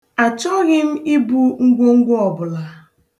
A chọghị m ibu ngwongwo ọbụla.